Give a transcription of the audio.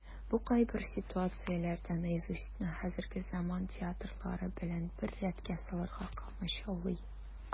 Бу кайбер ситуацияләрдә "Наизусть"ны хәзерге заман театрылары белән бер рәткә салырга комачаулый.